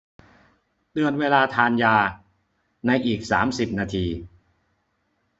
เตือนเวลาทานยาในอีกสามสิบนาที